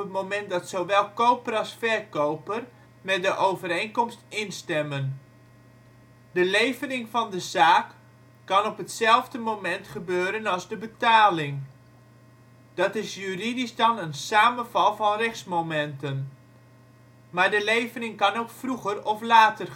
moment dat zowel koper als verkoper met de overeenkomst instemmen. De levering van de zaak kan op hetzelfde ogenblik gebeuren als de betaling, dat is juridisch dan een samenval van rechtsmomenten. Maar de levering kan ook vroeger of later geschieden